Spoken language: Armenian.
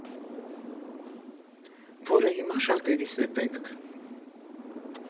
Որը հիմա շատերիս է պետք։